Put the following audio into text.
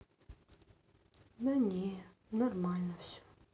да не нормально все